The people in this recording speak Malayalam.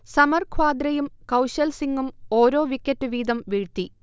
സമർ ഖ്വാദ്രയും കൗശൽ സിങ്ങും ഓരോ വിക്കറ്റ് വീതം വീഴ്ത്തി